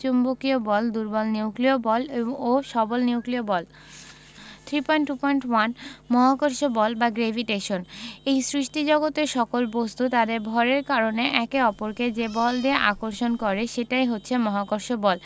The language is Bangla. চৌম্বকীয় বল দুর্বল নিউক্লিয় বল ও সবল নিউক্লিয় বল 3.2.1 মহাকর্ষ বল বা গ্রেভিটেশন এই সৃষ্টিজগতের সকল বস্তু তাদের ভরের কারণে একে অপরকে যে বল দিয়ে আকর্ষণ করে সেটাই হচ্ছে মহাকর্ষ বল